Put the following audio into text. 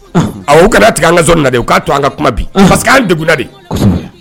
Awɔ u kan'a tigɛ an ka zone na dɛ u k'a to an ka kuma bi parce que an degunna de, kosɛbɛ